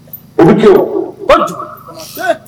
O bɛ ce kojugu